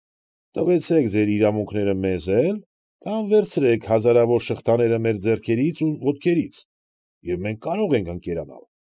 Տվեցեք ձեր իրավունքները մեզ էլ կամ վերցրեք հազարավոր շղթաները մեր ձեռքերից ու ոտքերից, և մենք կարող ենք ընկերանալ։